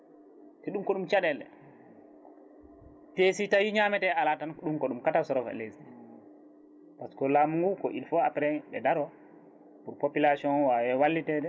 te ɗum ko ɗum caɗele te si tawi ñamete ala tan ɗum ko ɗum catastrophe * par ce que laamu ngu il faut après ɓe daaro pour population o wawa wallitede